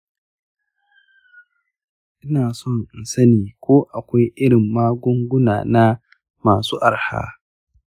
ina so in sani ko akwai irin magunguna na masu arha.